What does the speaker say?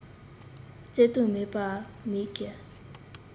བརྩེ དུང མེད པར མིག གིས